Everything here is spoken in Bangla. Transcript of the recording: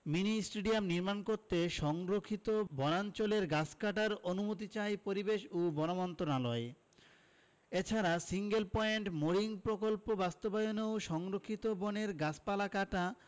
মিনি স্টেডিয়াম নির্মাণ করতে সংরক্ষিত বনাঞ্চলের গাছ কাটার অনুমতি চায় পরিবেশ ও বন মন্ত্রণালয় এছাড়া সিঙ্গেল পয়েন্ট মোরিং প্রকল্প বাস্তবায়নেও সংরক্ষিত বনের গাছপালা কাটা